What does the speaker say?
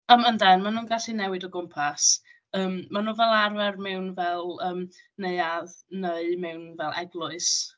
Yym, yndyn, maen nhw'n gallu newid o gwmpas. Yym. Maen nhw fel arfer mewn fel, yym, neuadd neu mewn fel eglwys.